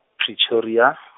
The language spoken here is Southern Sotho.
Pretoria .